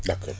d' accord